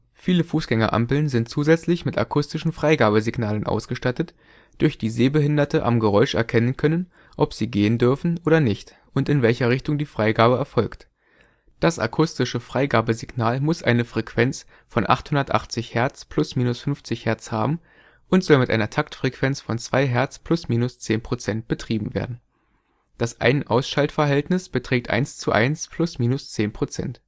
Viele Fußgängerampeln sind zusätzlich mit akustischen Freigabesignalen ausgestattet, durch die Sehbehinderte am Geräusch erkennen können, ob sie gehen dürfen oder nicht und in welcher Richtung die Freigabe erfolgt. Das akustische Freigabesignal muss eine Frequenz von 880 Hz ± 50 Hz haben und soll mit einer Taktfrequenz von 2 Hz ± 10 % betrieben werden. Das Ein -/ Ausschaltverhältnis beträgt 1:1 ± 10 %